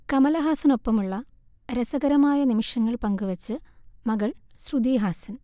കമലഹാസനൊപ്പമുള്ള രസകരമായ നിമിഷങ്ങൾ പങ്കുവെച്ച് മകൾ ശ്രുതി ഹാസൻ